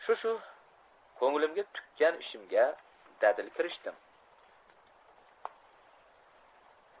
shu shu ko'nglimga tukkan ishimga dadil kirishdim